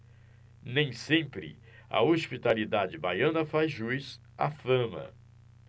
nem sempre a hospitalidade baiana faz jus à fama